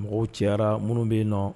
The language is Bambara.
Mɔgɔw cɛ minnu bɛ yen nɔ